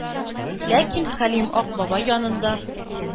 Ләкин Хәлим Ак бабай янында